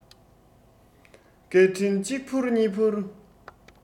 སྐད འཕྲིན གཅིག ཕུར གཉིས ཕུར